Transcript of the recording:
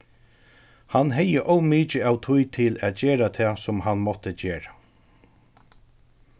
hann hevði ov mikið av tíð til at gera tað sum hann mátti gera